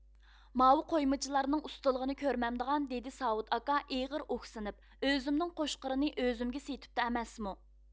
ماۋۇ قويمىچىلارنىڭ ئۇستىلىغىنى كۆرمەمدىغان دېدى ساۋۇت ئاكا ئېغىر ئۇھسىنىپ ئۆزۈمنىڭ قوچقىرىنى ئۆزۈمگە سېتىپتۇ ئەمەسمۇ